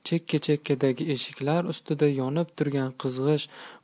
chekka chekkadagi eshiklar ustida yonib turgan qizg'ish